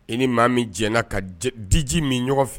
I ni maa min jɛra ka diji min ɲɔgɔn fɛ